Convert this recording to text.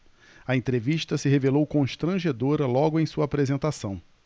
a entrevista se revelou constrangedora logo em sua apresentação